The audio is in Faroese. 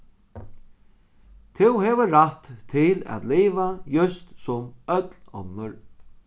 tú hevur rætt til at liva júst sum øll onnur